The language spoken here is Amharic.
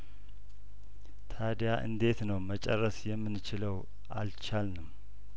ታዲያ እንዴት ነው መጨረስ የምንችለው አልቻልንም